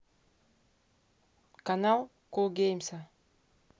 канал кулгеймса